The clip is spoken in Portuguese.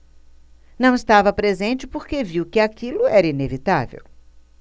não estava presente porque viu que aquilo era inevitável